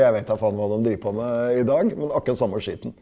jeg veit da faen hva dem driver på med i dag, men akkurat samme skitten.